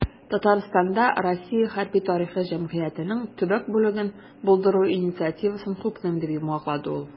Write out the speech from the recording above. "татарстанда "россия хәрби-тарихи җәмгыяте"нең төбәк бүлеген булдыру инициативасын хуплыйм", - дип йомгаклады ул.